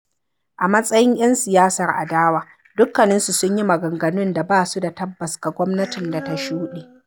A matsayin 'yan siyasar adawa, dukkaninsu sun yi maganganun da ba su da tabbas ga gwamnatin da ta shuɗe.